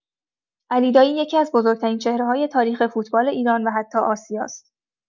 علی دایی یکی‌از بزرگ‌ترین چهره‌های تاریخ فوتبال ایران و حتی آسیاست.